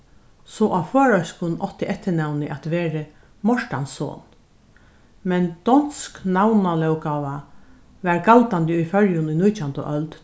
so á føroyskum átti eftirnavnið at verið mortansson men donsk navnalóggáva var galdandi í føroyum í nítjandu øld